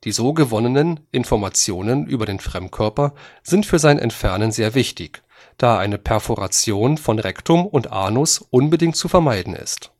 so gewonnenen Informationen über den Fremdkörper sind für sein Entfernen sehr wichtig, da eine Perforation von Rektum und Anus unbedingt zu vermeiden ist